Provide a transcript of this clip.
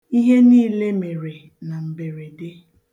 Ihe niile mere na mberede.